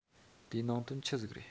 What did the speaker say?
དེའི ནང དོན ཆི ཟིག རེད